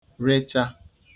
recha